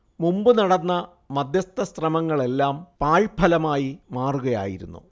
മുമ്പ് നടന്ന മധ്യസ്ഥ ശ്രമങ്ങളെല്ലാം പാഴഫലമായി മാറുകയായിരുന്നു